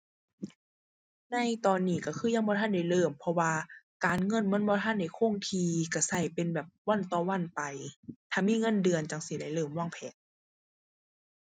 ในตอนนี้ก็คือยังบ่ทันได้เริ่ม เพราะว่าการเงินมันบ่ทันได้คงที่ ก็ก็เป็นแบบวันต่อวันไป ถ้ามีเงินเดือนจั่งสิได้เริ่มวางแผน